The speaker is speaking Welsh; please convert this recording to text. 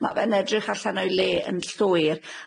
Ma' fe'n edrych allan o'i le yn llwyr,